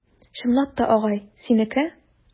Чынлап та, агай, синеке?